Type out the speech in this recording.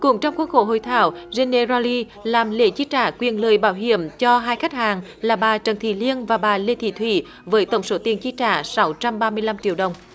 cũng trong khuôn khổ hội thảo rơ ne ra li làm lễ chi trả quyền lợi bảo hiểm cho hai khách hàng là bà trần thị liêng và bà lê thị thủy với tổng số tiền chi trả sáu trăm ba mươi lăm triệu đồng